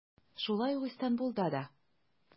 Шулай ук Истанбулда да.